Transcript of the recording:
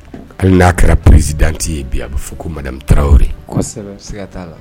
Hali n'a kɛra peresi dante ye bi a bɛ fɔ ko mamuta